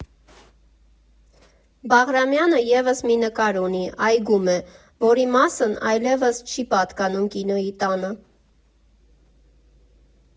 Բաղրամյանը ևս մի նկար ունի՝ այգում է, որի մի մասն այլևս չի պատկանում Կինոյի տանը։